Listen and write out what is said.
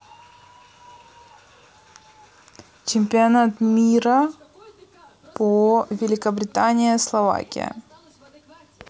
чемпионат мира по великобритания словакия